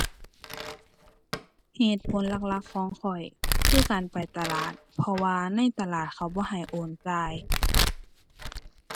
เหตุผลหลักหลักของข้อยคือการไปตลาด เพราะว่าในตลาดเขาบ่ให้โอนจ่าย